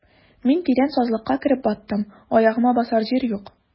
Мин тирән сазлыкка кереп баттым, аягыма басар җир юк.